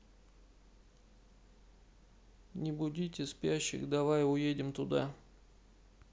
не будите спящих давай уедем туда